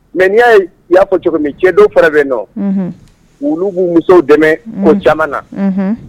Mɛ ni y'a i y'a fɔ cogomi cɛ don fɛrɛ bɛ nɔ olu b'u musow dɛmɛ ko caman na